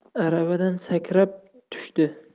aravadan sakrab tushdi